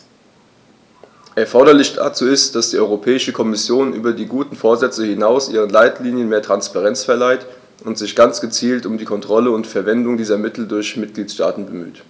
Erforderlich dazu ist, dass die Europäische Kommission über die guten Vorsätze hinaus ihren Leitlinien mehr Transparenz verleiht und sich ganz gezielt um die Kontrolle der Verwendung dieser Mittel durch die Mitgliedstaaten bemüht.